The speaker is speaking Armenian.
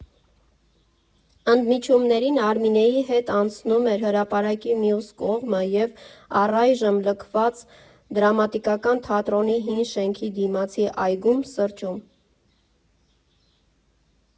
Ընդմիջումներին Արմինեի հետ անցնում էր հրապարակի մյուս կողմը և առայժմ լքված դրամատիկական թատրոնի հին շենքի դիմացի այգում սրճում։